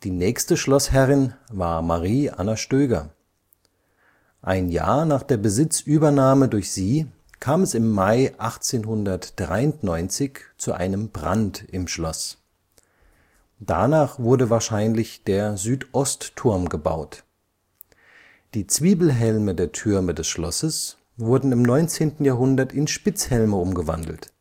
nächste Schlossherrin war Marie Anna Stöger. Ein Jahr nach der Besitzübernahme durch sie kam es im Mai 1893 zu einem Brand im Schloss. Danach wurde wahrscheinlich der Südostturm gebaut. Die Zwiebelhelme der Türme des Schlosses wurden im 19. Jahrhundert in Spitzhelme umgewandelt